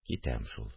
– китәм шул